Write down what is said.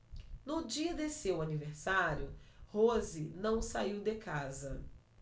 no dia de seu aniversário rose não saiu de casa